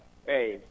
eeyi